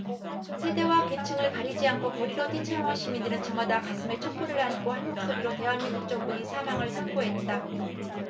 세대와 계층을 가리지 않고 거리로 뛰쳐나온 시민들은 저마다 가슴에 촛불을 안고 한 목소리로 대한민국 정부의 사망을 선고했다